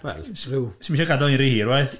Wel, 'sdim isio gadael hi'n rhy hir, waeth.